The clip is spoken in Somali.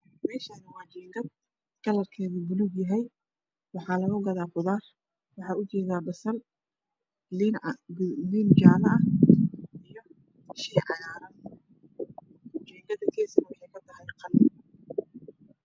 Meshaan waa jingad Kalarkeedu puluug ayahay waxaa algu gadaa qudaar waxaa ujeeda pasal iyo liin jaalo ah iyo shey cagaaran jiingada ges waxey katahay qalin